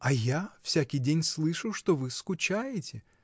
а я всякий день слышу, что вы скучаете.